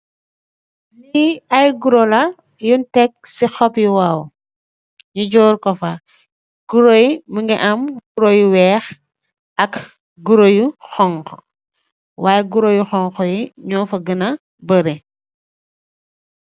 Li aye goro la young tek ci aye cop you wow nyou ndorr ko fa goro yi nyou gui am lou weck am you konku